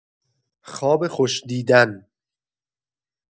خواب خوش دیدن